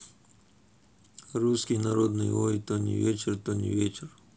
русский народный ой то не вечер то не вечер